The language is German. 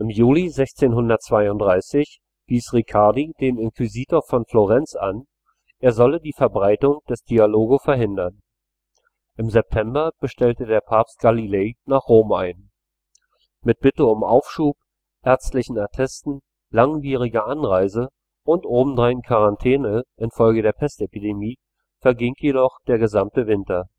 Juli 1632 wies Riccardi den Inquisitor von Florenz an, er solle die Verbreitung des Dialogo verhindern. Im September bestellte der Papst Galilei nach Rom ein. Mit Bitte um Aufschub, ärztlichen Attesten, langwieriger Anreise und obendrein Quarantäne infolge der Pestepidemie verging jedoch der gesamte Winter